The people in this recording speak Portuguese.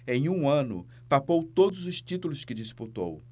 em um ano papou todos os títulos que disputou